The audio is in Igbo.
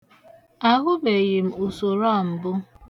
Ahụbeghị m usoro a mbụ.